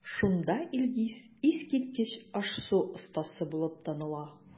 Шунда Илгиз искиткеч аш-су остасы булып таныла.